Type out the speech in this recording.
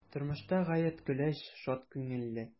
Тормышта гаять көләч, шат күңелле.